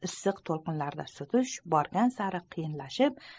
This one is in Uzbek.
issiq to'lqinlarda suzish borgan sari qiyinlashib